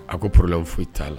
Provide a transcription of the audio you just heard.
A ko problème foyi t'a la